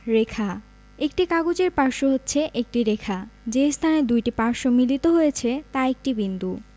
রেখাঃ একটি কাগজের পার্শ্ব হচ্ছে একটি রেখা যে স্থানে দুইটি পার্শ্ব মিলিত হয়েছে তা একটি বিন্দু